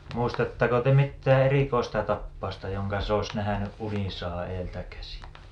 muistattako te mitään erikoista tapausta jonka se olisi nähnyt unissaan edeltä käsin